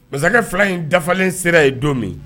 Masakɛ 2 in dafalen sera ye don min.